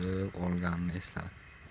solib olganini esladi